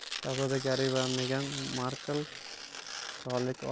shahzoda garri va megan markl qirollik